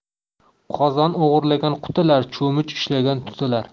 qozon o'g'irlagan qutular cho'mich ushlagan tutilar